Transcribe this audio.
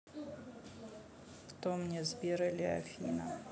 кто мне сбер или афина